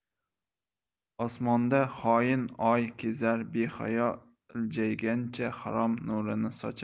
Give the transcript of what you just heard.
osmonda xoin oy kezar behayo iljaygancha harom nurini sochar